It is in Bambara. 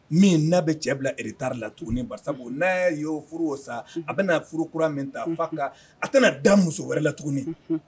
Min n' bɛ cɛ bila eretari la tugun bara n'a y'o furu o sa a bɛ furu kura min ta fa a tɛna da muso wɛrɛ la tuguni